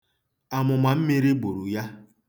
Amụmammiri gburu ya.